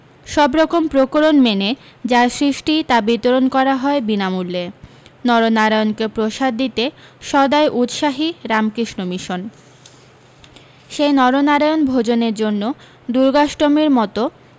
সবরকম প্রকরণ মেনে যার সৃষ্টি তা বিতরণ করা হয় বিনামূল্যে নরনারায়ণকে প্রসাদ দিতে সদাই উৎসাহী রামকৃষ্ণ মিশন সেই নরনারায়ণ ভোজনের জন্য দুর্গাষ্টমীর মতো